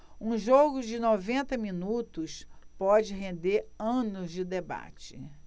um jogo de noventa minutos pode render anos de debate